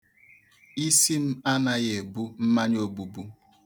Isi m anaghị ebu mmanya obubu.